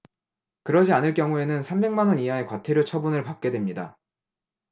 그러지 않을 경우에는 삼백 만 원 이하의 과태료 처분을 받게 됩니다